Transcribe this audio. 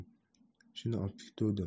shuni obketuvdim